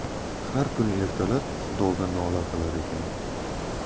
har kuni ertalab xudoga nola qilarkan